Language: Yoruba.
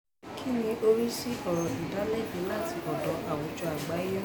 Kínni o rí sí ọ̀rọ̀ ìdálẹ́bi láti ọ̀dọ̀ àwùjọ àgbáyé náà?